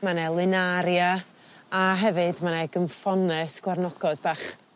ma' 'ne linaria a hefyd ma' 'ne gynffonne sgwarnogod bach